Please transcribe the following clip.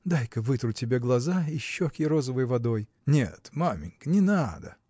Дай-ка вытру тебе глаза и щеки розовой водой. – Нет, маменька, не надо.